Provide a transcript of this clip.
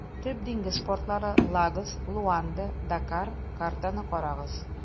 Төп диңгез портлары - Лагос, Луанда, Дакар (картаны карагыз).